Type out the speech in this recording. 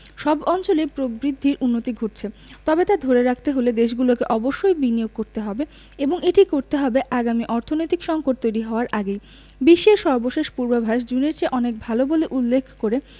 সব অঞ্চলেই প্রবৃদ্ধির উন্নতি ঘটছে তবে তা ধরে রাখতে হলে দেশগুলোকে অবশ্যই বিনিয়োগ করতে হবে এবং এটি করতে হবে আগামী অর্থনৈতিক সংকট তৈরি হওয়ার আগেই বিশ্বের সর্বশেষ পূর্বাভাস জুনের চেয়ে অনেক ভালো বলে উল্লেখ করে